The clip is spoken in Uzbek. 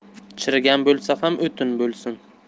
chirigan bo'lsa ham o'tin bo'lsin